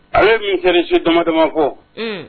A ye miri su dama damama fɔ